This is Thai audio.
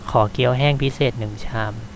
ขอเกี้ยวแห้งพิเศษหนึ่งชาม